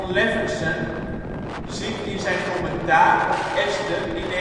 Levenson ziet in zijn commentaar op Esther in